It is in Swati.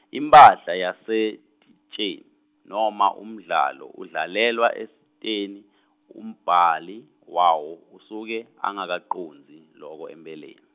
imphahla yasesiteji nome umdlalo udlalelwa esiteji umbhali wawo usuke angakacondzi loko empeleni.